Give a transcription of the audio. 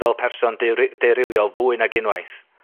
fel person dery- deurywiol fwy nag unwaith.